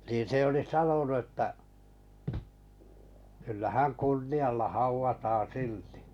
niin se oli sanonut että kyllä hän kunnialla haudataan silti